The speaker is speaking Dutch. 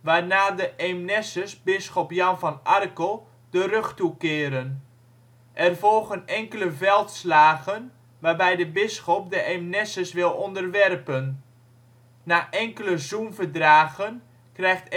waarna de Eemnessers bisschop Jan van Arkel de rug toe keren. Er volgen enkele veldslagen waarbij de bisschop de Eemnessers wil onderwerpen. Na enkele zoenverdragen krijgt